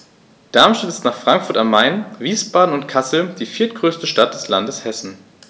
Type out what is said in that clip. Darmstadt ist nach Frankfurt am Main, Wiesbaden und Kassel die viertgrößte Stadt des Landes Hessen